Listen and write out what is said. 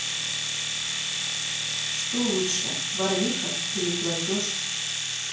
что лучше барвиха или платеж